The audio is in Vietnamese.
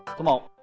số một